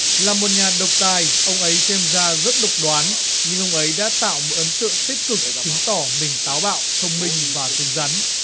là một nhà độc tài ông ấy xem ra rất độc đoán nhưng ông ấy đã tạo một ấn tượng tích cực chứng tỏ mình táo bạo thông mình cứng rắn